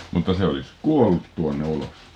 mutta se olisi kuollut tuonne ulos